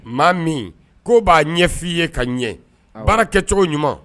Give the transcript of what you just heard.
Maa min ko ba ɲɛfɔ i ye ka ɲɛ baara kɛcogo ɲuman.